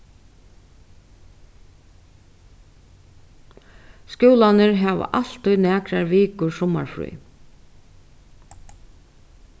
skúlarnir hava altíð nakrar vikur summarfrí